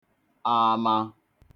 ama